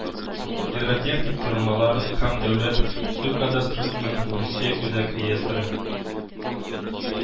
Гидротехник Корылмалар һәм дәүләт су кадастрысының Русия Үзәк реестры